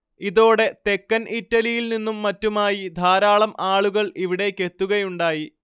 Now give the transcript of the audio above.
ഇതോടെ തെക്കൻ ഇറ്റലിയിൽനിന്നും മറ്റുമായി ധാരാളം ആളുകൾ ഇവിടേക്കെത്തുകയുണ്ടായി